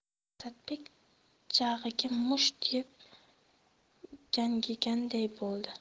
asadbek jag'iga musht yeb gangiganday bo'ldi